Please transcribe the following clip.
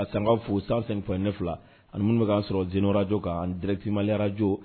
Ka san fo san sanfa ne fila ani minnu bɛ'a sɔrɔ denyɔrɔrajɔ ka an dɛrɛtetimayarajɔ